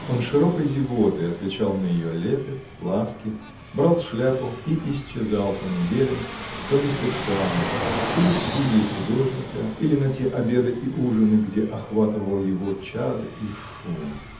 ” Он широкой зевотой отвечал на ее лепет, ласки, брал шляпу и исчезал по неделям, по месяцам, или в студию художника, или на те обеды и ужины, где охватывал его чад и шум.